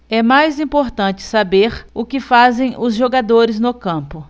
é mais importante saber o que fazem os jogadores no campo